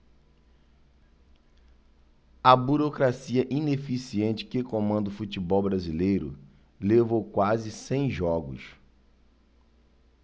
a burocracia ineficiente que comanda o futebol brasileiro levou quase cem jogos